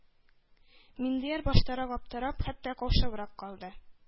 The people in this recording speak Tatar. Миндияр баштарак аптырап, хәтта каушабрак калды.